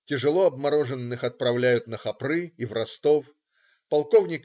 Тяжело обмороженных отправляют на Хопры ив Ростов. Полк.